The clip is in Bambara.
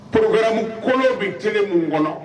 Pkramu kolen bɛ tilen mun kɔnɔ